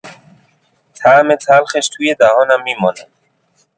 طعم تلخش توی دهانم می‌ماند.